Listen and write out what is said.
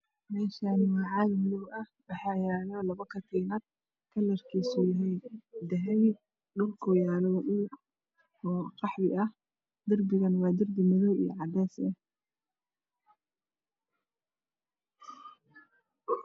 Meeshaani waa madow waxa yaalo labo katiinad kalarkisa yahay dahabi dhulka uu yaalana qaxwi darbigana waa darbi madow iyo cadays